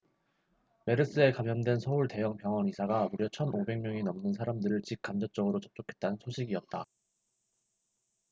메르스에 감염된 서울 대형 병원 의사가 무려 천 오백 명이 넘는 사람들을 직 간접으로 접촉했다는 소식이었다